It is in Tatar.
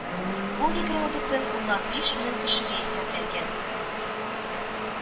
Ул егерме бөтен уннан биш мең кешегә исәпләнгән